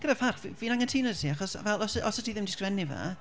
Gyda pharch, fi'n anghytuno gyda ti achos fel os o- os o't ti ddim 'di ysgrifennu fe...